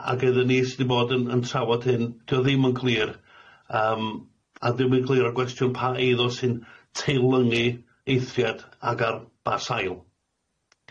A- a- a- ag iddyn ni sy'n bod yn yn trafod hyn dio ddim yn clir yym a ddim yn glir o gwestiwn pa eiddo sy'n teilyngu eithriad ag ar ba sail.